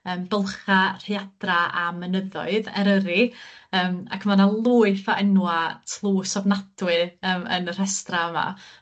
yym bylcha, rhiadra a mynyddoedd Eryri yym ac ma' 'na lwyth o enwa' tlws ofnadwy yym yn y rhestra' 'ma .